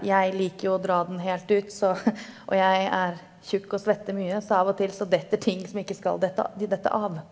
jeg liker jo å dra den helt ut så og jeg er tjukk og svetter mye så av og til så detter ting som ikke skal dette de detter av.